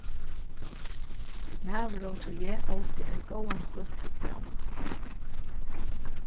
maðurin og eg ótu ein góðan búff saman